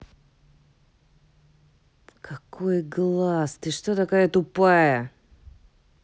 какой глаз ты что такая тупая